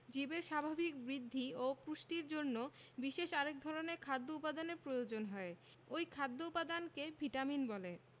জীবের স্বাভাবিক বৃদ্ধি এবং পুষ্টির জন্য বিশেষ আরেক ধরনের খাদ্য উপাদানের প্রয়োজন হয় ঐ খাদ্য উপাদানকে ভিটামিন বলে